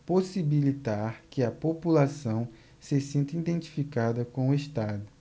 possibilitar que a população se sinta identificada com o estado